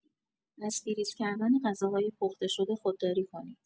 از فریزر کردن غذاهای پخته‌شده خودداری کنید.